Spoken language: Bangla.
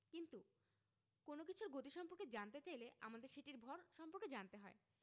কিন্তু কোনো কিছুর গতি সম্পর্কে জানতে চাইলে আমাদের সেটির ভর সম্পর্কে জানতে হয়